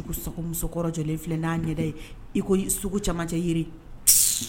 Musokɔrɔba jɔlen filɛ n'a ɲɛ ye i camanjɛ